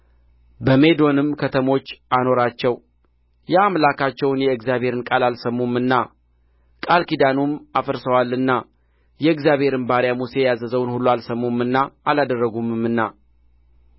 በሜዶንም ከተሞች አኖራቸው የአምላካቸውን የእግዚአብሔርን ቃል አልሰሙምና ቃል ኪዳኑንም አፍርሰዋልና የእግዚአብሔርም ባሪያ ሙሴ ያዘዘውን ሁሉ አልሰሙምና አላደረጉምና